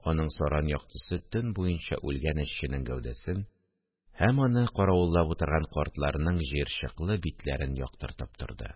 Аның саран яктысы төн буенча үлгән эшченең гәүдәсен һәм аны каравыллап утырган картларның җыерчыклы битләрен яктыртып торды